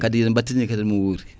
kadi yan mbattini kadi mo wuuri